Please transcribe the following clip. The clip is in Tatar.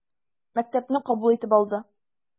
Мәктәпне кабул итеп алды.